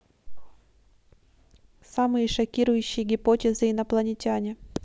самые шокирующие гипотезы инопланетяне